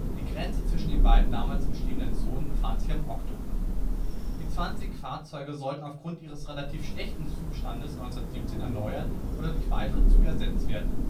Die Grenze zwischen den beiden damals bestehenden Zonen befand sich am Oktogon. Die zwanzig Fahrzeuge sollten aufgrund ihres relativ schlechten Zustandes 1917 erneuert oder durch weitere Züge ersetzt werden